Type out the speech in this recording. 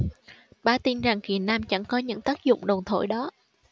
bá tin rằng kỳ nam chẳng có những tác dụng đồn thổi đó